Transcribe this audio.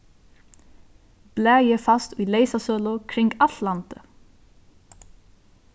blaðið fæst í leysasølu kring alt landið